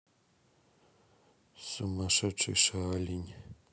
сумасшедший шаолинь